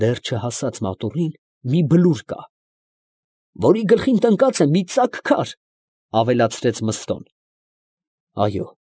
Դեռ չհասած մատուռին մի բլուր կա… ֊ Որի գլխին տնկած է մի ծակ քար, ֊ ավելացրեց Մըստոն։ ֊ Այո՛։